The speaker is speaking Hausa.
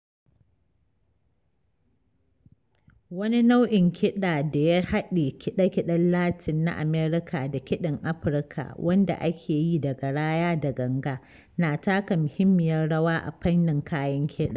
Wani nau'in kiɗa da ya haɗe kide-kiden Latin na Amurka da kiɗin Afirka, wanda ake yi da garaya da ganga na taka muhimmiyar rawa a fannin kayan kiɗa.